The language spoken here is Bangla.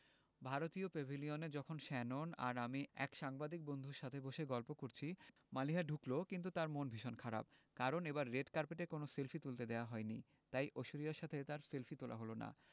ভারতীয় প্যাভিলিয়নে যখন শ্যানন আর আমি এক সাংবাদিক বন্ধুর সাথে বসে গল্প করছি মালিহা ঢুকলো কিন্তু তার মন ভীষণ খারাপ কারণ এবার রেড কার্পেটে কোনো সেলফি তুলতে দেয়নি তাই ঐশ্বরিয়ার সাথে তার সেলফি তোলা হলো না